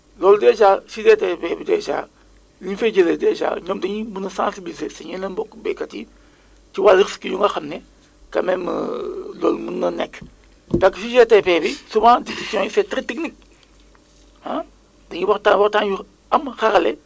loolu dèjà si DTP bi dèjà ñiy fay jëlee dèjà ñoom dañuy mun a sensibiliser suñu yeneen mbokku béykat yi ci wàllu kii yu nga xam ne quand même loolu mun na nekk parce que si GTP bi c' est très technique ah dañuy waxtaan waxtaan yu am xarale